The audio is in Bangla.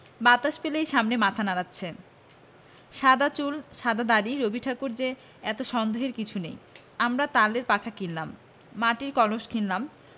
বাতাস পেলেই সমানে মাথা নাড়ছে সাদা চুল সাদা দাড়ি রবিঠাকুর যে এতে সন্দেহের কিছুই নেই আমরা তালের পাখা কিনলাম মার্টির কলস কিনলাম